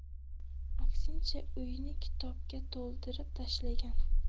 aksincha uyni kitobga to'ldirib tashlagan